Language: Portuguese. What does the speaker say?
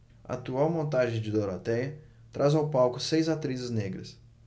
a atual montagem de dorotéia traz ao palco seis atrizes negras